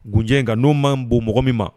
Gunjɛ in nka n'o man bon mɔgɔ min ma